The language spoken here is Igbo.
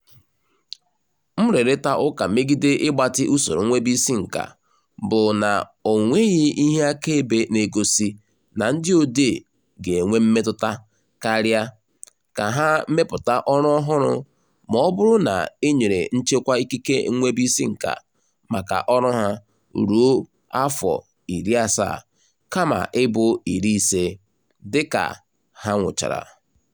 Nrụrịtaụka megide ịgbatị usoro nnwebisiinka bụ na ọ nweghị ihe akaebe na-egosi na ndị odee ga-enwe mmetụta karịa ka ha mepụta ọrụ ọhụrụ maọbụrụ na e nyere nchekwa ikike nnwebiisinka maka ọrụ ha ruo afọ 70 kama ịbụ 50 dịka ha nwụchara.